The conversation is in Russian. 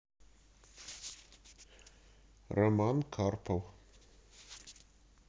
роман карпов